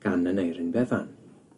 gan Aneurin Bevan